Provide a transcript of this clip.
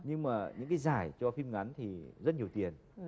nhưng mà những cái giải cho phim ngắn thì rất nhiều tiền